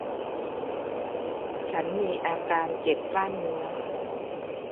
ฉันมีอาการเจ็บกล้ามเนื้อ